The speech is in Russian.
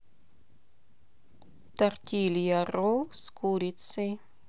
тортилья ролл с курицей